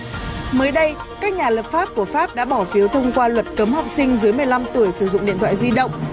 mới đây các nhà lập pháp của pháp đã bỏ phiếu thông qua luật cấm học sinh dưới mười lăm tuổi sử dụng điện thoại di động